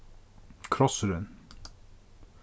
krossurin